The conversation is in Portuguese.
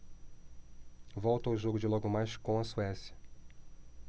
volto ao jogo de logo mais com a suécia